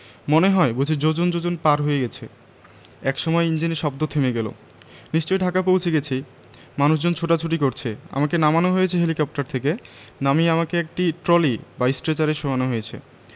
মনে হয় বুঝি যোজন যোজন পার হয়ে গেছে একসময় ইঞ্জিনের শব্দ থেমে গেলো নিশ্চয়ই ঢাকা পৌঁছে গেছি মানুষজন ছোটাছুটি করছে আমাকে নামানো হয়েছে হেলিকপ্টার থেকে নামিয়ে আমাকে একটা ট্রলি বা স্ট্রেচারে শোয়ানো হয়েছে